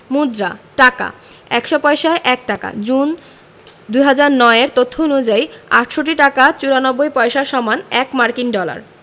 মুদ্রাঃ টাকা ১০০ পয়সায় ১ টাকা জুন ২০০৯ এর তথ্য অনুযায়ী ৬৮ টাকা ৯৪ পয়সা = ১ মার্কিন ডলার